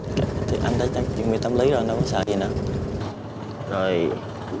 thì anh đã chuẩn bị tâm lý rồi anh đâu có sợ gì nữa rồi